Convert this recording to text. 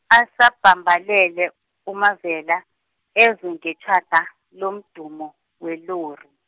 asabhambalele, uMavela, ezwe ngetjhada lomdumo, welori.